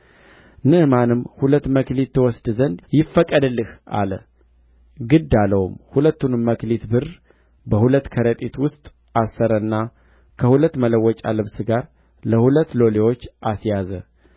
አሁን ከነቢያት ወገን የሆኑት ሁለት ጕልማሶች ከተራራማው ከኤፍሬም አገር ወደ እኔ መጥተዋል አንድ መክሊት ብርና ሁለት መለወጫ ልብስ ትሰጣቸው ዘንድ እለምንሃለሁ ብሎ ጌታዬ ላከኝ አለ